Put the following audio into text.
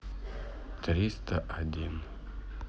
триста один